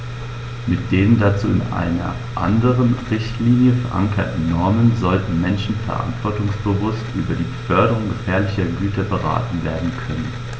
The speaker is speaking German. Mit den dazu in einer anderen Richtlinie, verankerten Normen sollten Menschen verantwortungsbewusst über die Beförderung gefährlicher Güter beraten werden können.